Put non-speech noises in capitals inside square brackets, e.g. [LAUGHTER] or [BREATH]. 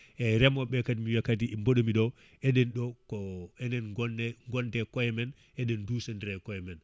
eyyi reemoɓeɓe kadi miwiya kadi mboɗo mi ɗo [BREATH] eɗen ɗo ko enen gonne gonde koyemen eɗen dusidira e koyemen